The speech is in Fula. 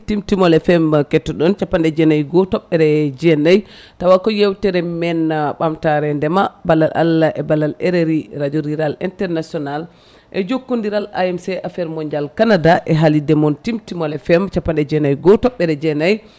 Timtimol FM kettoɗon capanɗe jeenayyi e goho toɓɓere jeenayyi tawa ko yewtere men ɓamtare ndeema ballal Allah e ballal RRI radio rural international e jokkodiral AMC affaire mondial Canada e haalirde moon Timtimol FM capanɗe jeenayyi e goho toɓɓere jeenayyi